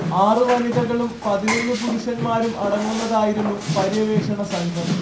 ആറു വനിതകളും പതിനൊന്നു പുരുഷന്മാരും അടങ്ങുന്നതായിരുന്നു പര്യവേഷണ സംഘം